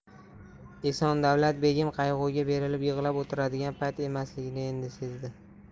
eson davlat begim qayg'uga berilib yig'lab o'tiradigan payt emasligini endi sezdi